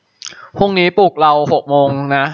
พรุ่งนี้ปลุกเราหกโมงนะ